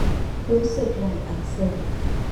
รู้สึกไหล่อักเสบ